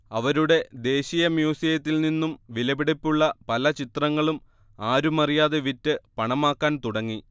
അവരുടെ ദേശീയമ്യൂസിയത്തിൽ നിന്നും വിലപിടിപ്പുള്ള പല ചിത്രങ്ങളും ആരുമറിയാതെ വിറ്റ് പണമാക്കാൻ തുടങ്ങി